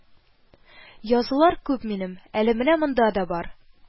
Язулар күп минем, әле менә монда да бар